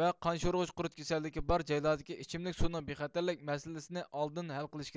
ۋە قان شورىغۇچ قۇرت كېسىلى بار جايلاردىكى ئىچىملىك سۇنىڭ بىخەتەرلىكى مەسىلىسىنى ئالدىن ھەل قىلىش كېرەك